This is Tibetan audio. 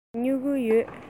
ང ལ སྨྱུ གུ ཡོད